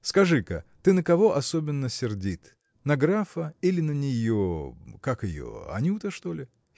Скажи-ка, ты на кого особенно сердит: на графа или на нее. как ее. Анюта, что ли?